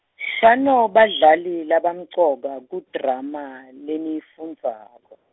shano badlali labamcoka kudrama leniyifundzako.